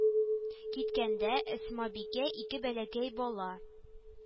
Киткәндә әсмабикә ике бәләкәй бала